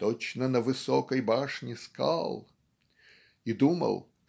"точно на высокой башне стоял" и думал